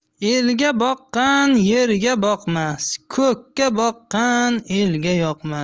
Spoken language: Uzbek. elga boqqan yerga boqmas ko'kka boqqan elga yoqmas